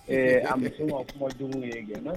Ɛɛ an muso ka kumadenw ye gɛnna